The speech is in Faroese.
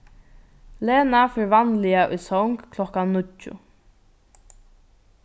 lena fer vanliga í song klokkan níggju